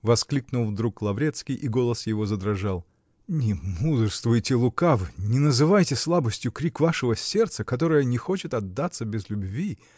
-- воскликнул вдруг Лаврецкий, и голос его задрожал, -- не мудрствуйте лукаво, не называйте слабостью крик вашего сердца, которое не хочет отдаться без любви.